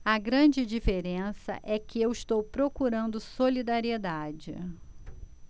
a grande diferença é que eu estou procurando solidariedade